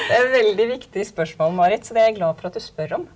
veldig viktig spørsmål Marit så det er jeg glad for at du spør om.